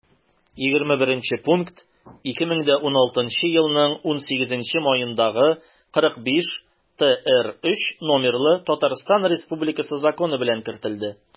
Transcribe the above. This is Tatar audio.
21 пункт 2016 елның 18 маендагы 45-трз номерлы татарстан республикасы законы белән кертелде